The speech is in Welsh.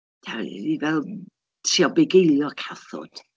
A, oedd hi fel trio bugelio cathod.